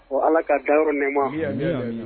Ɔ Ala k'a dayɔrɔ nɛɛma amii amii amii